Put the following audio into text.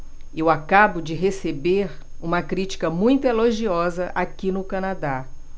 eu acabo de receber uma crítica muito elogiosa aqui no canadá